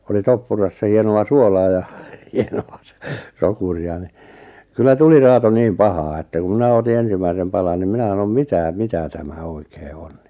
oli toppurassa hienoa suolaa ja hienoa - sokeria niin kyllä tuli raato niin pahaa että kun minä otin ensimmäisen palan niin minä sanoin mitä mitä tämä oikein on niin